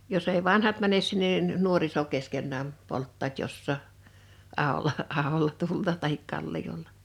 jos ei vanhat mene sinne niin nuoriso keskenään polttavat jossakin aholla aholla tulta tai kalliolla